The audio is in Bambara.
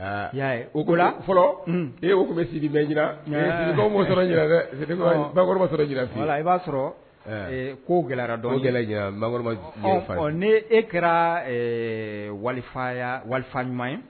Y'a o ko fɔlɔ e o tun bɛ siridi bɛɛ jirakɔrɔba jira i b'a sɔrɔ ko gɛlɛra dɔn gɛlɛ ne e kɛra wali wali ɲuman ye